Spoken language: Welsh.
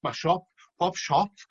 Ma' siop pob siop